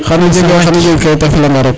xano jega kayit a fela nga roog